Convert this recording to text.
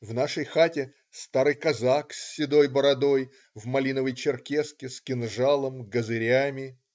В нашей хате - старый казак с седой бородой, в малиновой черкеске, с кинжалом, газырями.